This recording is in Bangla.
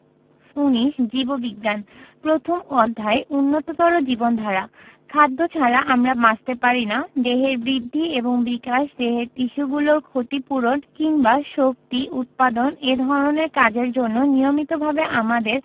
১৯ জীববিজ্ঞান প্রথম অধ্যায় উন্নততর জীবনধারা খাদ্য ছাড়া আমরা বাঁচতে পারি না দেহের বৃদ্ধি এবং বিকাশ দেহের টিস্যুগুলোর ক্ষতি পূরণ কিংবা শক্তি উৎপাদন এ ধরনের কাজের জন্য নিয়মিতভাবে আমাদের